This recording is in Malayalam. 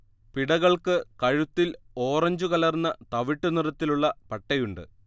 പിടകൾക്ക് കഴുത്തിൽ ഓറഞ്ചു കലർന്ന തവിട്ടുനിറത്തിലുള്ള പട്ടയുണ്ട്